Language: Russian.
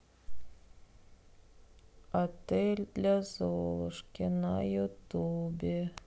отель для золушки на ютубе